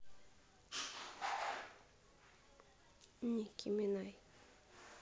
nicki minaj